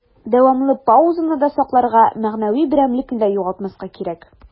Дәвамлы паузаны да сакларга, мәгънәви берәмлекне дә югалтмаска кирәк.